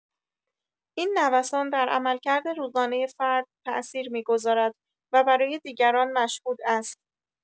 این نوسان در عملکرد روزانه فرد تآثیر می‌گذارد و برای دیگران مشهود است.